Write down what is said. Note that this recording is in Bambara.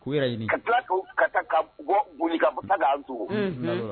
K'un yɛrɛ ɲini, ka tila ka k'o ka bɔ ka boli k'an to, unhun.